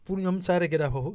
pour ñoom Saare Gedda foofu